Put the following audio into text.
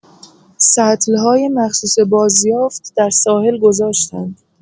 سطل‌های مخصوص بازیافت در ساحل گذاشتند.